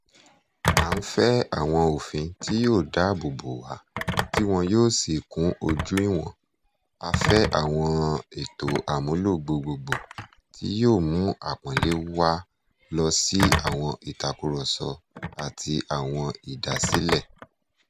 À ń fẹ́ àwọn òfin tí yóò dáàbò bò wá tí wọn yóò sì kún ojú ìwọ̀n, a fẹ́ àwọn ètò àmúlò gbogboògbò tí yóò mú àpọ́nlé wa lọ sí àwọn ìtàkùrọ̀sọ àti àwọn ìdásílẹ̀.